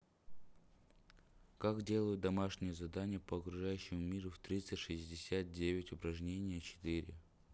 как делают домашние задания по окружающему миру в тринадцать шестьдесят девять упражнение четыре